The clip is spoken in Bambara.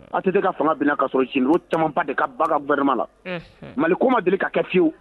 ATT ka fanga binna k'a sɔrɔ generaux caaman ba de ka b'a ka gouvernement la Mali ko ma deli ka kɛ fiyewu